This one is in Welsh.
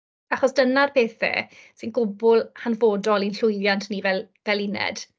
Achos dyna'r pethe sy'n gwbl hanfodol i'n llwyddiant ni fel fel uned.